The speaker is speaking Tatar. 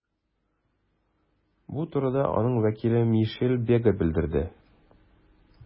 Бу турыда аның вәкиле Мишель Бега белдерде.